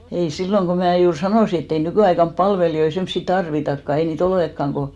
ei silloin kun minä juuri sanoin että ei nykyaikana palvelijoita semmoisia tarvitakaan ei niitä olekaan kun